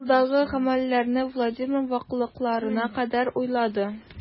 Алдагы гамәлләрне Владимир ваклыкларына кадәр уйлады.